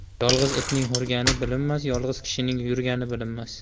yolg'iz itning hurgani bilinmas yolg'iz kishining yurgani bilinmas